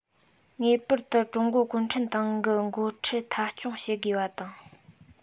ངེས པར དུ ཀྲུང གོ གུང ཁྲན ཏང གི འགོ ཁྲིད མཐའ འཁྱོངས བྱེད དགོས པ དང